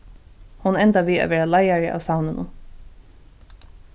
hon endar við at verða leiðari av savninum